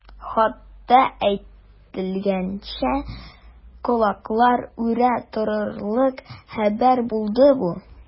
Хатта әйтелгәнчә, колаклар үрә торырлык хәбәр булды бу.